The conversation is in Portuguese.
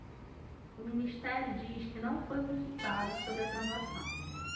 o ministério diz que não foi consultado sobre a transação